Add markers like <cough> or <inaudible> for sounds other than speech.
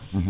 <hesitation> <hesitation>